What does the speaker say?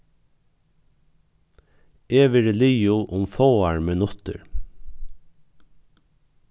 eg verði liðug um fáar minuttir